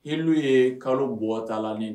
H ye kalougɔgɔta